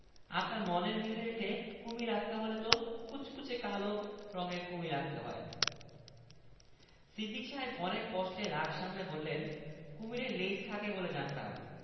অবশ্যই জানতে পারেন কাগজ কম পড়ে গেল পোস্টার বোর্ড আয়ে বড় হলে চমৎকার লেজ দিয়ে দিতাম